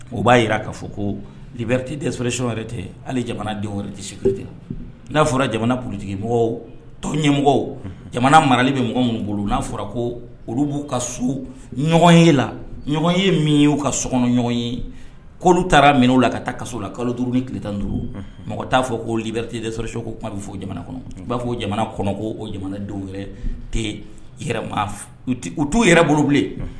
O b'a jira ka fɔ ko lib wɛrɛ tɛ hali jamana den wɛrɛ tɛte la n'a fɔra jamana ptigi mɔgɔw to ɲɛmɔgɔ jamana maralen bɛ mɔgɔ minnu bolo u n'a fɔra ko olu b'u ka so ɲɔgɔn ye la ɲɔgɔn ye min ye'u ka sokɔnɔ ɲɔgɔn ye'olu taara minɛn u la ka taa kaso la kalo duuruuru ni tile tan duuru mɔgɔ t'a fɔ ko libiteko kuma bɛ fɔ' o jamana kɔnɔ u b'a fɔ jamana kɔnɔ ko o jamana denw tɛ yɛrɛ ma u t'u yɛrɛ bolo bilen